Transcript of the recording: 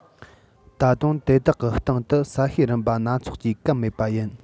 ད དུང དེ དག གི སྟེང དུ ས གཤིས རིམ པ སྣ ཚོགས ཀྱིས བཀབ མེད པ ཡིན